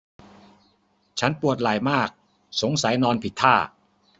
ฉันปวดไหล่มากสงสัยนอนผิดท่า